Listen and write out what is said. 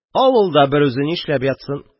– авылда берүзе нишләп ятсын?